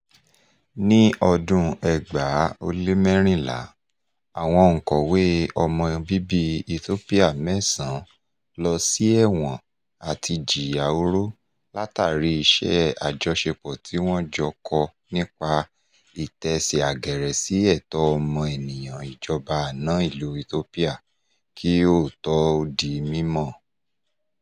Ní ọdún 2014, àwọn òǹkọ̀wé ọmọ bíbí Ethiopia mẹ́sàn-án lọ sí ẹ̀wọ̀n àti jìyà oró látàrí iṣẹ́ àjọṣepọ̀ tí wọ́n jọ kọ nípa ìtẹsẹ̀ àgẹ̀rẹ̀ sí ẹ̀tọ́ ọmọ-ènìyàn ìjọba àná ìlú Ethiopia, kí òótọ́ ó di mímọ̀.